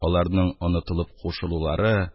Аларның онытылып кушылулары,